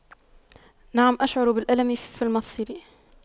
نعم أشعر بالألم في المفصل